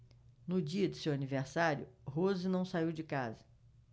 no dia de seu aniversário rose não saiu de casa